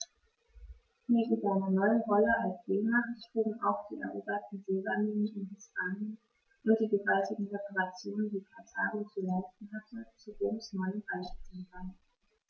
Neben seiner neuen Rolle als Seemacht trugen auch die eroberten Silberminen in Hispanien und die gewaltigen Reparationen, die Karthago zu leisten hatte, zu Roms neuem Reichtum bei.